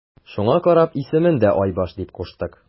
Шуңа карап исемен дә Айбаш дип куштык.